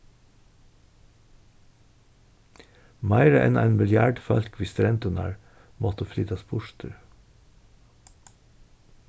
meira enn ein milliard fólk við strendurnar máttu flytast burtur